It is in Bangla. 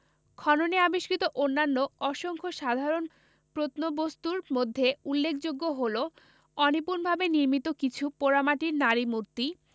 খননে আবিষ্কৃত অন্যান্য অসংখ্য সাধারণ প্রত্নবস্তুর মধ্যে উল্লেখযোগ্য হলো অনিপুণভাবে নির্মিত কিছু পোড়ামাটির নারীমূর্তি